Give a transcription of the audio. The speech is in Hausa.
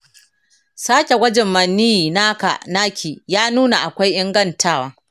sake gwajin maniyyi naka/naki ya nuna akwai ingantawa.